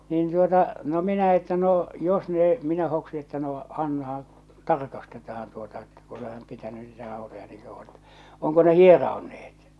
niin tuota no minä että no jos no minä hoksin että no annahan tarkastetaan tuota että kun olet pitänyt niitä rautoja niin kauan että onko ne hieroutuneet